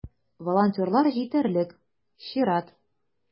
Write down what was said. Волонтерлар җитәрлек - чират.